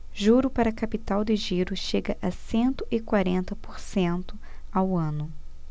juro para capital de giro chega a cento e quarenta por cento ao ano